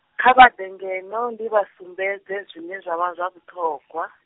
kha vha ḓe ngeno ndi vha sumbedze zwiṅwe zwa vha zwa vhuṱhogwa.